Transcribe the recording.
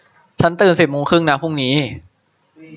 ฉันตื่นสิบโมงครึ่งนะพรุ่งนี้